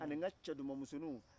ani n ka cɛ duman musoninw